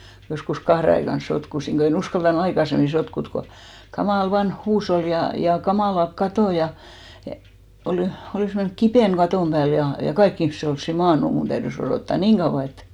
joskus kahden aikaan sotkusin kun en uskaltanut aikaisemmin sotkuta kun kamala vanha huusholli ja ja kamalat katot ja ja - olisi mennyt kipinä katon päälle ja ja kaikki ihmiset olisi maannut minun täytyi odottaa niin kauan että